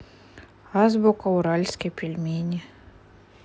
азбука уральские пельмени